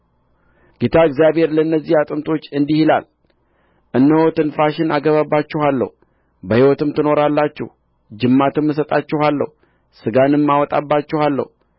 ጌታ እግዚአብሔር ለእነዚህ አጥንቶች እንዲህ ይላል እነሆ ትንፋሽን አገባባችኋለሁ በሕይወትም ትኖራላችሁ ጅማትም እሰጣችኋለሁ ሥጋንም አወጣባችኋለሁ